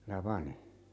Tapani